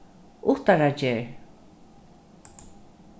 uttaragerð